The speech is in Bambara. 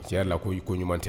Cɛ la ko i koɲuman tɛ